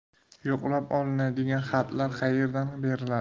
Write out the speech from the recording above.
yo'qlab olinadigan xatlar qayerdan beriladi